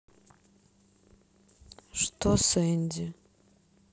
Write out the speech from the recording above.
что с энди